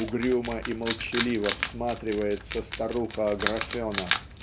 угрюмо и молчаливо всматривается старуха Аграфена